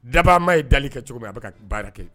Daba ma ye dali kɛ cogo min a bɛ ka baara kɛ